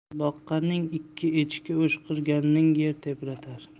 boqqaning ikki echki o'shqirganing yer tebratar